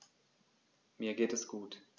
Mir geht es gut.